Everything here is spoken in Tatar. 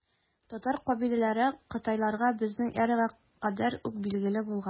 Татар кабиләләре кытайларга безнең эрага кадәр үк билгеле булган.